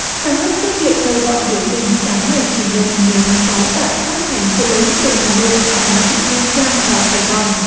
trong nước xuất hiện kêu gọi biểu tình sáng ngày chủ nhật mùng mười tháng sáu tại các thành phố lớn từ hà nội đà nẵng nha trang vào sài gòn